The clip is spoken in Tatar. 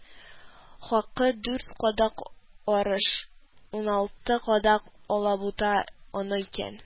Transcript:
Хакы дүрт кадак арыш, уналты кадак алабута оны икән